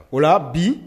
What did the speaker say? O bi